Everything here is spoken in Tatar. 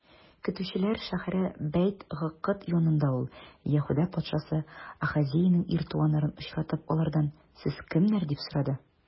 Көтүчеләр шәһәре Бәйт-Гыкыд янында ул, Яһүдә патшасы Ахазеянең ир туганнарын очратып, алардан: сез кемнәр? - дип сорады.